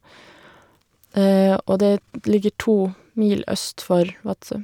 Og det er ligger to mil øst for Vadsø.